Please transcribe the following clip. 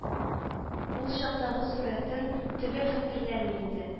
Ул чактагы сурәтен төгәл хәтерләми инде